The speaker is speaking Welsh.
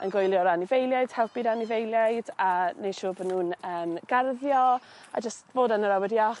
yn gwylio'r anifeiliaid helpu'r anifeiliaid a neu' siŵr bo' nw'n yn garddio a jyst fod yn yr awyr iach